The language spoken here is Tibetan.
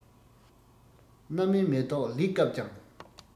སྣ མའི མེ ཏོག ལེགས བཀབ ཀྱང